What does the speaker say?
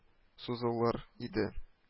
Сузылыр иде